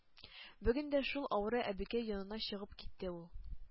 Бүген дә шул авыру әбекәй янына чыгып китте ул.